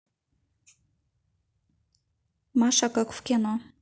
маша как в кино